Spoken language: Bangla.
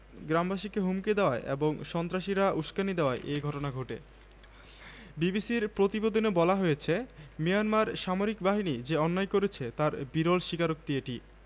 গত মাসে রাখাইনে একটি গণকবর নিয়ে অনুসন্ধানী প্রতিবেদন তৈরির কাজ করতে গিয়ে বার্তা সংস্থা রয়টার্সের দুজন সাংবাদিক আটক হন তাঁদের কাছে পাওয়া তথ্যের ভিত্তিতে রাখাইনের ইন দিন গ্রামে গণকবরের সন্ধান মেলে